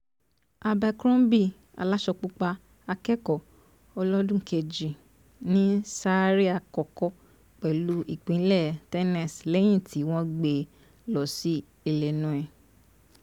Abercrombie, aláṣọpúpa akẹ́kọ̀ ọlọ́dún kejì ní sáa rẹ àkọ́kọ́ pẹ̀lú Ìpínlẹ̀ Tennessee lẹ́yìn tí wọ́n gbé e lọ sí Illinois.